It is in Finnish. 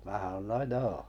minä sanoin no joo